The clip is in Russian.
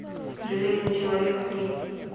железный человек три